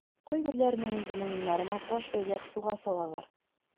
Кайберләренең инде муеннарына таш бәйләп суга салалар.